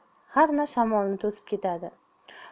harna shamolni to'sib ketadi